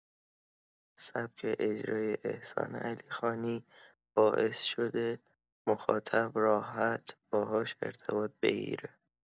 سبک اجرای احسان علیخانی باعث شده مخاطب راحت باهاش ارتباط بگیره.